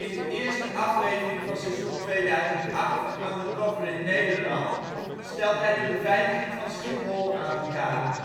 de eerste aflevering van seizoen 2008 van Undercover in Nederland stelt hij de beveiliging van Schiphol aan de kaak